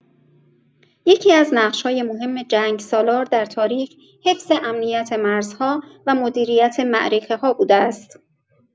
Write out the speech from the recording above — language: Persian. یکی‌از نقش‌های مهم جنگ‌سالار در تاریخ، حفظ امنیت مرزها و مدیریت معرکه‌ها بوده است.